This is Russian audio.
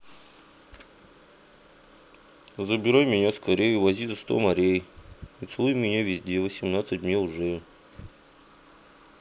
забирай меня скорей увози за сто морей и целуй меня везде восемнадцать мне уже